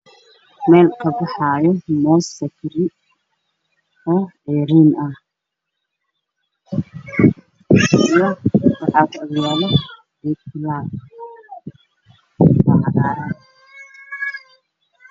Meel ka baxaayo moos sokori oo ciiriin ah iyo waxaa ku ag yaala geed kaloo cagaaran.